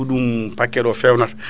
ko ɗum paquet o fewnata